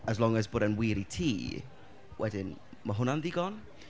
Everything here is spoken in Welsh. as long as bod e'n wir i ti wedyn mae hwnna'n ddigon.